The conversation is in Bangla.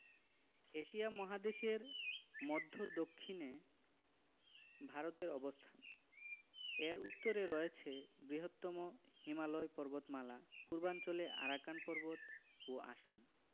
এশিয়া মহাদেশের মদ্ধ্য দক্ষিনে ভারতের অবস্থানএর উত্তরে রয়েছে বৃহত্তম হিমালয় পর্বতমালা পূর্বাঞ্চলে আরাকান পর্বত ও আসাম